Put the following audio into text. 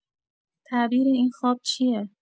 تعبیر این خواب چیه؟